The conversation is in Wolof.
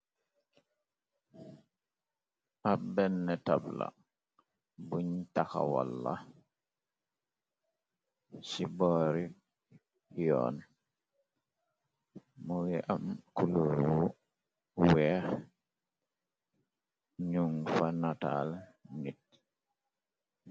Ab benn tabla buñ taxawalla ci boori yoon muyi am kuluru weex ñu fa nataal nit.